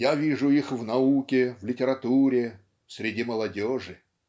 я вижу их в науке, в литературе, среди молодежи".